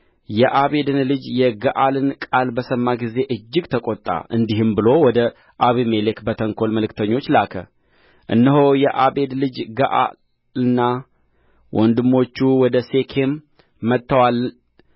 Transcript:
የአቤድን ልጅ የገዓልን ቃል በሰማ ጊዜ እጅግ ተቈጣ እንዲህም ብሎ ወደ አቤሜሌክ በተንኰል መልክተኞች ላከ እነሆ የአቤድ ልጅ ገዓልና ወንድሞቹ ወደ ሴኬም መጥተዋል